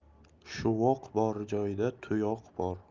shuvoq bor joyda tuyoq bor